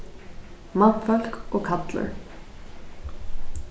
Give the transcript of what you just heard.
mannfólk og kallur